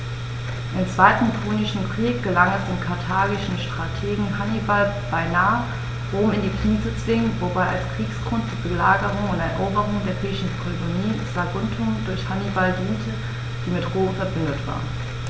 Im Zweiten Punischen Krieg gelang es dem karthagischen Strategen Hannibal beinahe, Rom in die Knie zu zwingen, wobei als Kriegsgrund die Belagerung und Eroberung der griechischen Kolonie Saguntum durch Hannibal diente, die mit Rom „verbündet“ war.